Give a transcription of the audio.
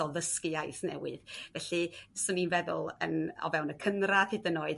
o ddysgu iaith newydd. Felly 'swn i'n feddwl yym o fewn y cynradd hyd yn oed